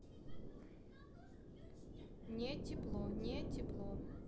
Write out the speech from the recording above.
не тепло не тепло